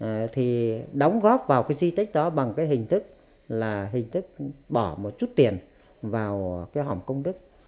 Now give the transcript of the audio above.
ờ thì đóng góp vào cái di tích đó bằng cái hình thức là hình thức bỏ một chút tiền vào cái hòm công đức